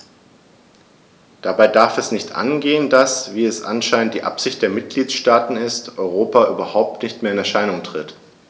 Dabei darf es nicht angehen, dass - wie es anscheinend die Absicht der Mitgliedsstaaten ist - Europa überhaupt nicht mehr in Erscheinung tritt.